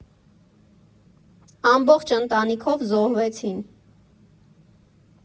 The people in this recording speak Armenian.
Ամբողջ ընտանիքով զոհվեցին։